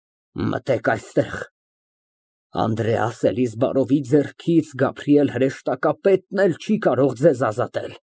Մտեք այստեղ։ Անդրեաս Էլիզբարովի ձեռքից Գաբրիել հրեշտակապետն էլ չի կարող ձեզ ազատել։